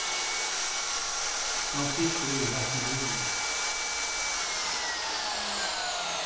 hann situr í hasum bilinum